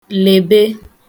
lèbe